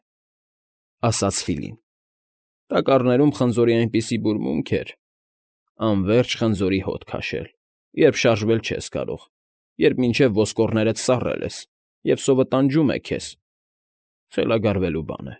Է,֊ ասաց Ֆիլին։֊ Տակառում խնձորի այնպիսի բուրմունք էր… Անվերջ խնձորի հոտ շնչել, երբ շարժվել չես կարող, երբ մինչև ոսկորդներդ սառել ես, և սովը տանջում է քեզ՝ խելագարվելու բան։